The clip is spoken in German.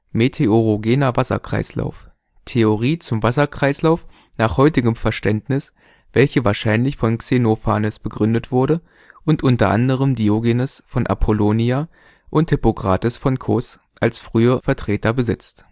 meteorogener Wasserkreislauf: Theorie zum Wasserkreislauf nach heutigem Verständnis, welche wahrscheinlich von Xenophanes begründet wurde und unter anderem Diogenes von Apollonia und Hippokrates von Kos als frühe Vertreter besitzt